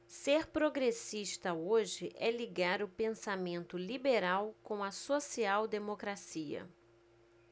ser progressista hoje é ligar o pensamento liberal com a social democracia